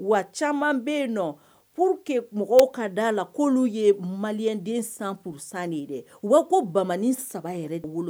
Wa caman bɛ yen nɔ pour que mɔgɔw ka da a la k'olu ye maliɲɛnden 100 % de ye dɛ, u ba fɔ ko bamani 3 yɛrɛ de bɛ wolo